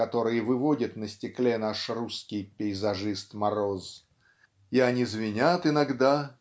которые выводит на стекле наш русский пейзажист-мороз и они звенят иногда